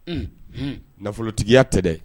Unhun nafolotigiya tɛ dɛ